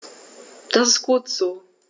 Das ist gut so.